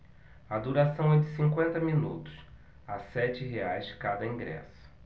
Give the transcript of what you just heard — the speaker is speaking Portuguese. a duração é de cinquenta minutos a sete reais cada ingresso